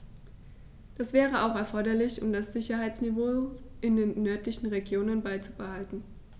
Das wäre auch erforderlich, um das Sicherheitsniveau in den nördlichen Regionen beizubehalten.